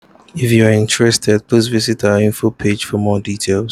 If you are interested, please visit our info page for more details.